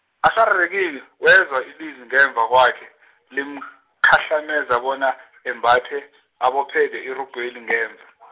asararekile, wezwa ilizwi ngemva kwakhe, limkhahlameza bona, embathe abophele irogweli ngemva .